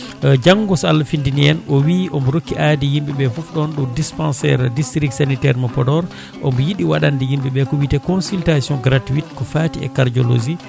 janggo so Allah findini en o wi omo rokki aadi yimɓeɓe foof ɗon ɗo dispensaire distric sanitaire mo Podor omo yiiɗi waɗande yimɓeɓe ko wiite consultation gratuit ko faati e cardiologie